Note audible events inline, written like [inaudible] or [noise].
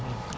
[hesitation] [hesitation]